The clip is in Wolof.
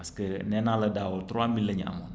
parce que nee naa la daaw trois mille la ñu amoon